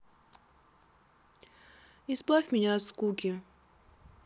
избавь меня от скуки